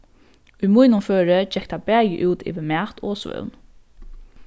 í mínum føri gekk tað bæði út yvir mat og svøvn